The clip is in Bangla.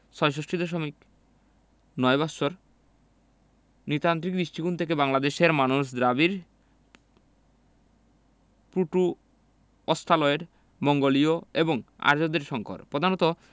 ৬৬দশমিক ৯ বৎসর নৃতাত্ত্বিক দৃষ্টিকোণ থেকে বাংলাদেশের মানুষ দ্রাবিড় প্রোটো অস্ট্রালয়েড মঙ্গোলীয় এবং আর্যদের সংকর প্রধানত